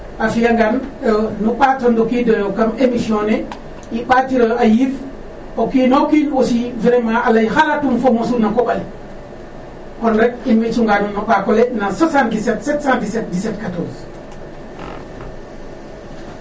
A fi'angaan nu ɓaat o ndokiidooyo kam emission ne i ɓaatirooyo a yiif o kiin o kiin aussi vraiment a lay xalatum fo mosu na koƥ ale .Kon rek in wey cunga nuun no ɓaak ole na 777171714